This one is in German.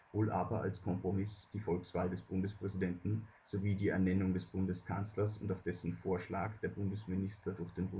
wohl aber als Kompromiss die Volkswahl des Bundespräsidenten, sowie die Ernennung des Bundeskanzlers und auf dessen Vorschlag der Bundesminister durch den Bundespräsidenten